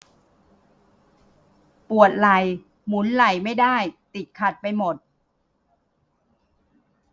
ปวดไหล่หมุนไหล่ไม่ได้ติดขัดไปหมด